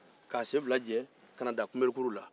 k'a sen fila je ka na dan kunberekuru la